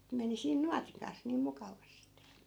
ne meni siinä nuotin kanssa niin mukavasti